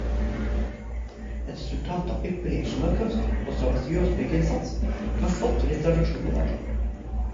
Et resultat av ypperlig ingeniørkunst og strabasiøs byggeinnsats, og en flott turistattraksjon i dag.